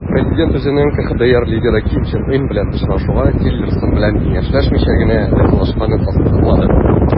Президент үзенең КХДР лидеры Ким Чен Ын белән очрашуга Тиллерсон белән киңәшләшмичә генә ризалашканын ассызыклады.